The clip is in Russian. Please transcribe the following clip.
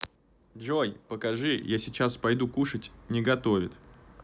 джой покажи я сейчас пойду кушать не готовит